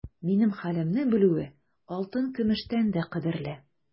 Минем хәлемне белүе алтын-көмештән дә кадерле.